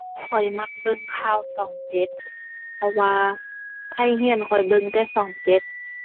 ข้อยมักเบิ่งข่าวช่องเจ็ด เพราะว่าไทช่องข้อยเบิ่งแต่ช่องเจ็ด